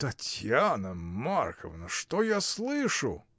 — Татьяна Марковна, что я слышу?